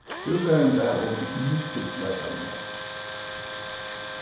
brúkarin bað um nýtsluleiðbeiningar